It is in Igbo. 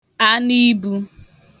anụ ibū